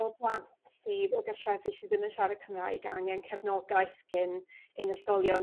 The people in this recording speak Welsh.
o blant sydd o gartrefi sydd ddim yn siarad Cymraeg angen cefnogaeth gin ein ysgolion